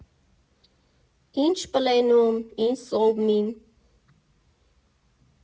«Ի՞նչ պլենում, ի՜նչ սովմին։